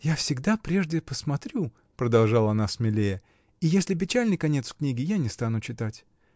— Я всегда прежде посмотрю, — продолжала она смелее, — и если печальный конец в книге — я не стану читать.